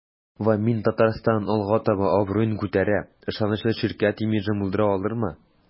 "вамин-татарстан” алга таба абруен күтәрә, ышанычлы ширкәт имиджын булдыра алырмы?